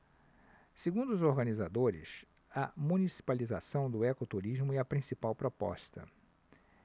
segundo os organizadores a municipalização do ecoturismo é a principal proposta